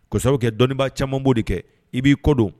Kɔsa kɛ dɔnniibaa camanbo de kɛ i b'i kɔdon